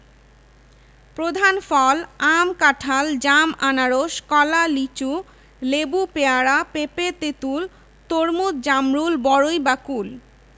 rail সেতুঃ পাবনার ঈশ্বরদী উপজেলায় গঙ্গা নদীর উপর হার্ডিঞ্জ ব্রিজ কিশোরগঞ্জ জেলার ভৈরব উপজেলায় মেঘনা নদীর উপর ভৈরব সেতু